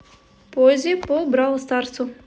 поззи по бравл старсу